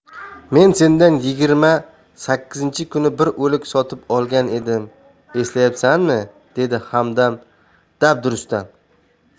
men sendan yigirma sakkizinchi kuni bir o'lik sotib olgan edim eslayapsanmi dedi hamdam dabdurustdan